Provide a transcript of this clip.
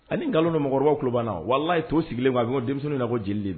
Ai ni nkalon don mɔgɔkɔrɔbaw tulo b'an na o walahi to sigilen kɔ bɛ denmisɛnninw ɲɛna ko joli de don